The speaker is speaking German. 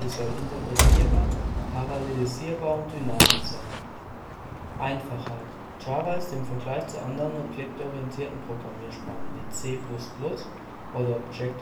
soll interpretierbar, parallelisierbar und dynamisch sein. Einfachheit Java ist im Vergleich zu anderen objektorientierten Programmiersprachen wie C++ oder C#